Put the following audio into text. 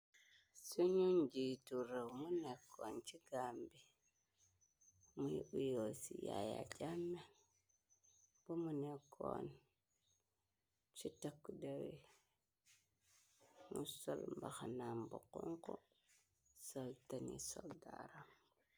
Suñu njiitu rëw mu nekkoon ci Gambi, muy uyo ci Yaya Jamme, bamu nekkoon ci takkuderr yi, mu sol mbaxanam bu xonxu, sol tani soldaaram.